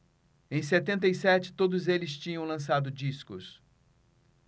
em setenta e sete todos eles tinham lançado discos